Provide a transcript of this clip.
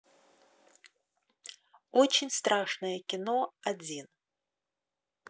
очень страшное кино один